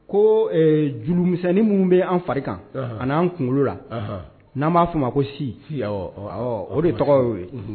Ko ɛɛ jurumisɛnnin minnu bɛ an fari kan; Anhan; A n'an kunkolo la; Anhan; N'an b'a fɔ a ma ko si si; awɔ, awɔ; o de tɔgɔ y'o ye.